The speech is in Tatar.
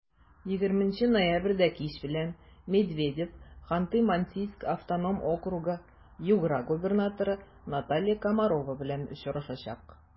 20 ноябрьдә кич белән медведев ханты-мансийск автоном округы-югра губернаторы наталья комарова белән очрашачак.